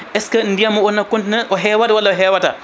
est ce que ndiyam o no kontina hewat walla hewata